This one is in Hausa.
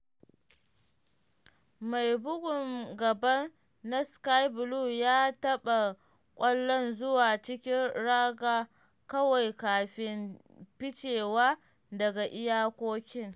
Mai bugun gaban na Sky Blues ya taɓa ƙwallon zuwa cikin raga kawai kafin ficewa daga iyakokin.